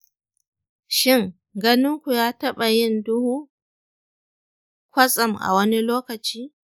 shin, ganin ku ya taɓa yin duhu kwatsam a wani lokaci?